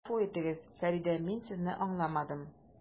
Гафу итегез, Фәридә, мин Сезне аңламадым.